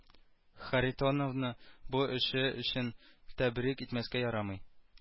Харитоновны бу эше өчен тәбрик итмәскә ярамый